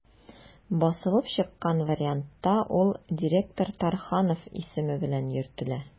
Басылып чыккан вариантта ул «директор Тарханов» исеме белән йөртелә.